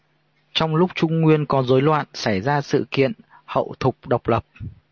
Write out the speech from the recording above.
trong lúc trung nguyên có rối loạn xảy ra sự kiện hậu thục độc lập